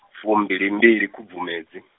fumbilimbili Khubvumedzi.